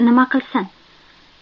nima qilsin